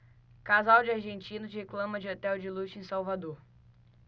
casal de argentinos reclama de hotel de luxo em salvador